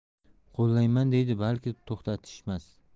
qo'llayman deydi balki to'xtatishmas